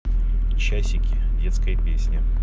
часики детская песня